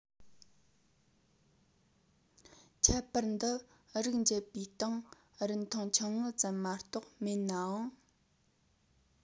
ཁྱད པར འདི རིགས འབྱེད པའི སྟེང རིན ཐང ཆུང ངུ ཙམ མ གཏོགས མེད ནའང